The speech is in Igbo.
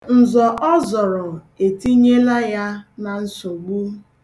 Nzọ ọ zorọ, e tinyela ya na nsogbu.